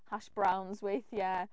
Hash browns weithiau.